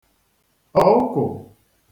ọ̀ụkụ̀